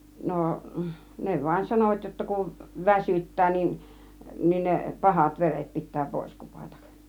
no ne vain sanoivat jotta kun väsyttää niin niin ne pahat veret pitää pois kupata